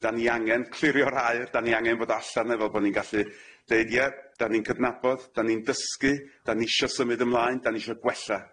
'dan ni angen clirio'r aer 'dan ni angen bod allan efo fel bo ni'n gallu deud ie 'dan ni'n cydnabod 'dan ni'n dysgu 'dan ni isho symud ymlaen 'dan ni isho gwella.